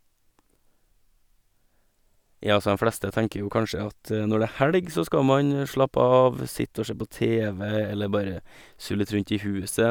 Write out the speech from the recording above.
Ja, så dem fleste tenker jo kanskje at når det er helg så skal man slappe av, sitte og se på TV eller bare sulle litt rundt i huset.